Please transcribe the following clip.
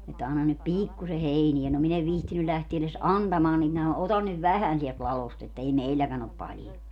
että anna nyt pikkuisen heiniä no minä en viitsinyt lähteä edes antamaan niin minä ota nyt vähän sieltä ladosta että ei meilläkään ole paljon